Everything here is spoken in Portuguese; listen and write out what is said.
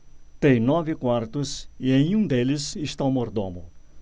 tem nove quartos e em um deles está o mordomo